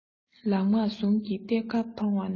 ལམ སྔགས ཟུང གི གཏེར ཁ མཐོང བ ན